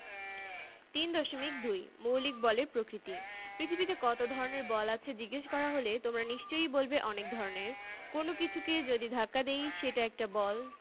নক্ষত্ররা ঘুরপাক খায় কিংবা সূর্যকে ঘিরে পৃথিবী ঘোরে পৃথিবীকে ঘিরে চাঁদ ঘোরে পৃথিবীর মহাকর্ষ বল যখন আমাদের ওপর কাজ করে আমরা সেটাকে বলি মাধ্যাকর্ষণ